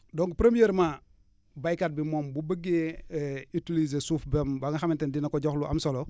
donc premièrement béykat bi moom bu bëggee utiliser suufam ba nga xamante ne dina ko jox lu am solo